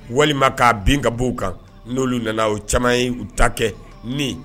Walima k'a bin ka bɔ u kan n'olu nana o caman y'i ta kɛ min